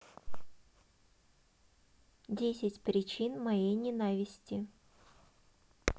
десять причин моей ненависти